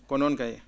ko noon kay